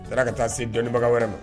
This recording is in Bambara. A sera ka taa se dɔnniibaga wɛrɛ ma